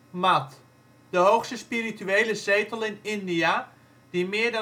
Math, de hoogste spirituele zetel in India, die meer